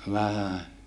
vähän